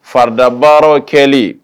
Faridabaa kɛlen